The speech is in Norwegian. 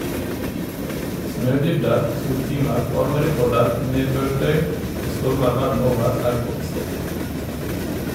Snødybder, soltimer, varmerekorder, nedbørsdøgn og stormer verden over er godt stoff.